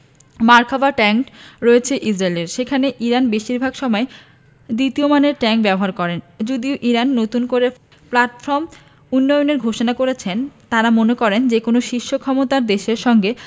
Merkava tank রয়েছে ইসরায়েলের সেখানে ইরান বেশির ভাগ সময় দ্বিতীয় মানের ট্যাংক ব্যবহার করে যদিও ইরান নতুন করে প্ল্যাটফর্ম উন্নয়নের ঘোষণা করেছে তারা মনে করে যেকোনো শীর্ষ ক্ষমতার দেশের সঙ্গে